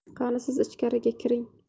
qani siz ichkariga kiring